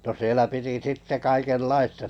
no siellä piti sitten kaikenlaista